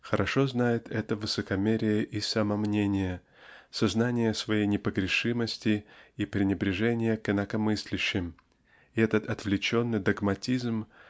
хорошо знает это высокомерие и самомнение сознание своей непогрешимости и пренебрежение к инакомыслящим и этот отвлеченный догматизм